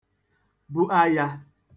bu ayā